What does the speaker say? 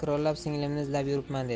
takrorlab singlimni izlab yuribman dedi